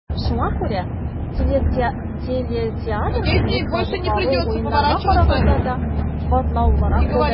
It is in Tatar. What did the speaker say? Шуңа күрә телетеатрга билет сатып алу, Уеннарга караганда да катлаулырак булды.